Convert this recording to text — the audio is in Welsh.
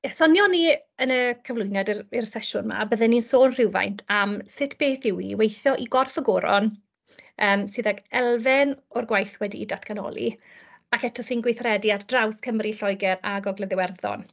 Ie sonion ni yn y cyflwyniad i'r i'r sesiwn 'ma bydden ni'n sôn rhywfaint am sut beth yw hi i weithio i gorff y goron yym, sydd ag elfen o'r gwaith wedi ei datganoli ac eto sy'n gweithredu ar draws Cymru, Lloegr a Gogledd Iwerddon.